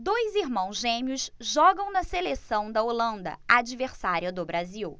dois irmãos gêmeos jogam na seleção da holanda adversária do brasil